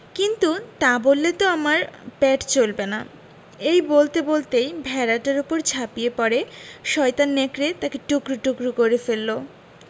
কিন্তু তা বললে তো আমার পেট চলবে না এই বলতে বলতেই ভেড়াটার উপর ঝাঁপিয়ে পড়ে শয়তান নেকড়ে তাকে টুকরো টুকরো করে ফেলল